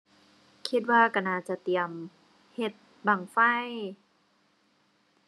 คิดว่าก็น่าจะเตรียมเฮ็ดบั้งไฟ